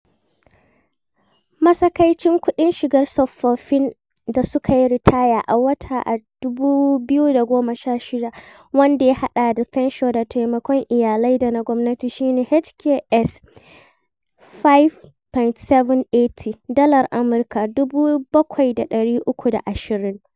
Matsakaicin kuɗin shigar tsofaffin da suka yi ritaya a wata a 2016 - wanda ya haɗa da fansho da taimakon iyalai da na gwamnati - shi ne HK$5,780 (Dalar Amurka 7320).